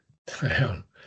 Da iawn.